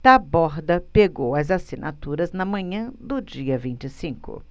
taborda pegou as assinaturas na manhã do dia vinte e cinco